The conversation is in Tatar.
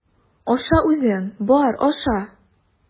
Аша үзең, бар, аша!